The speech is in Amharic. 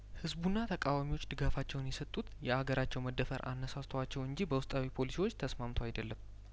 ህዝቡና ተቃዋሚዎች ድጋፋቸውን የሰጡት የአገራቸው መደፈር አነሳስቶዎቻቸው እንጂ በውስጣዊ ፖሊሲዎች ተስማምተው አይደለም